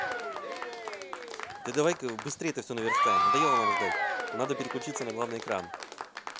ты давай ка быстрей это все наверстаю надоело нам ждать но надо переключиться на главный экран